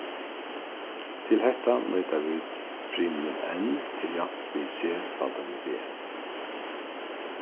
til hetta nýta vit frymilin n er javnt við c faldað við v